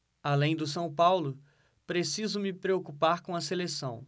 além do são paulo preciso me preocupar com a seleção